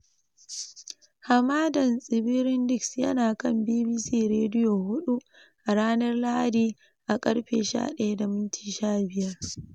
Hamadan Tsibiri Disc yana kan BBC Radiyo 4 a ranar Lahadi a karfe 11:15